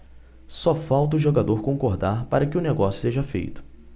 só falta o jogador concordar para que o negócio seja feito